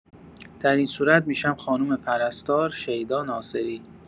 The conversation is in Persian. در این صورت می‌شم خانم پرستار شیدا ناصری.